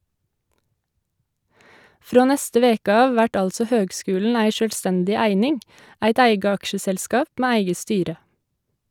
Frå neste veke av vert altså høgskulen ei sjølvstendig eining, eit eige aksjeselskap med eige styre.